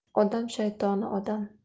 odam shaytoni odam